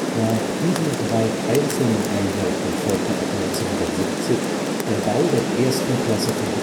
Nach diesen drei einzelnen Einheiten folgte ab 1970 der Bau der ersten Klasse von